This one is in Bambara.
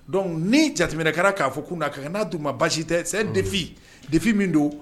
Don ni jateminɛɛna kɛra k'a fɔ kun a ka n'a tun ma basi tɛ se defi defin min don